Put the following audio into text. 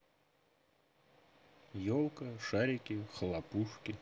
елка шарики хлопушки